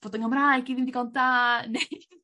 fod 'yn Nghymraeg i ddim digon da neu